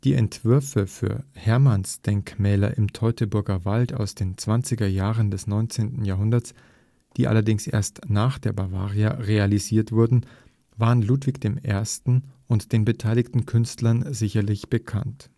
Entwürfe für Hermannsdenkmäler im Teutoburger Wald aus den 20er Jahren des 19. Jahrhunderts, die allerdings erst nach der Bavaria realisiert wurden, waren Ludwig I. und den beteiligten Künstlern sicher bekannt